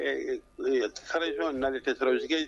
Arazɔn na tɛ